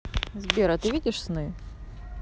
сбер а ты видишь сны